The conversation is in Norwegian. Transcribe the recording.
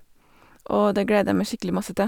Og det gleder jeg meg skikkelig masse til.